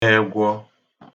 egwọ